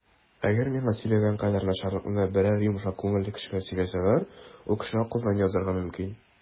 Әгәр миңа сөйләгән кадәр начарлыкны берәр йомшак күңелле кешегә сөйләсәләр, ул кеше акылдан язарга мөмкин.